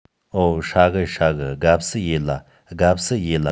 འོ ཧྲ གི ཧྲ གི དགའ བསུ ཡེད ལ དགའ བསུ ཡེད ལ